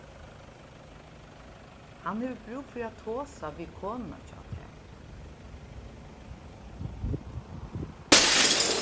hann hevur brúk fyri at tosa við konuna hjá tær